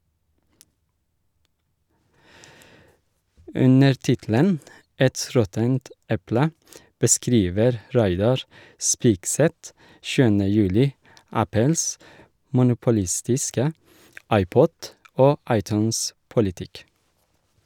Under tittelen «Et råttent eple» beskriver Reidar Spigseth 7. juli Apples monopolistiske iPod- og iTunes-politikk.